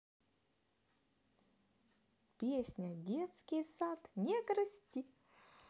песня детский сад не грусти